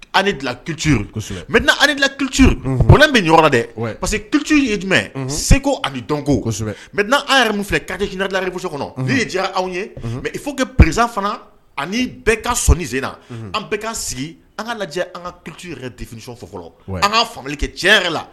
Ki kitu bɛ ɲɔgɔn dɛ pa parce que kitu ye jumɛn seguko ani dɔnko mɛ an yɛrɛ min filɛ karemusoso kɔnɔ ne ye diyara anw ye mɛ i fo perez fana ani bɛɛ ka sɔi senena an bɛɛ ka sigi an ka lajɛ an ka kitu yɛrɛsi fɔlɔ an ka kɛ cɛ yɛrɛ la